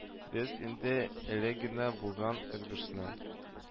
Без инде, әле генә булган ызгышны